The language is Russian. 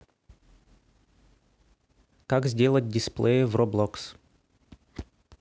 как сделать дисплее в roblox